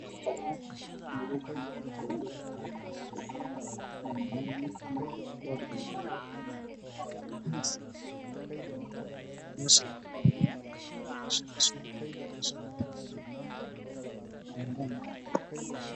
Niman IYO naago meel qashin ka guraayo